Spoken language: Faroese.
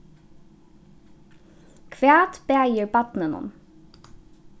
hvat bagir barninum